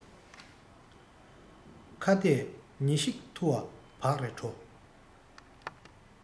ཁྭ ཏས ཉི ཤིག འཐུ བ བག རེ དྲོ